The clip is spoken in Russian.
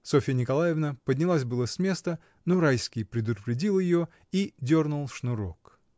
Софья Николаевна поднялась было с места, но Райский предупредил ее и дернул шнурок.